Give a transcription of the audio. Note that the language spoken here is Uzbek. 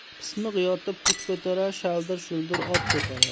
pismiq yotib put ko'tarar shaldir shuldir ot ko'tarar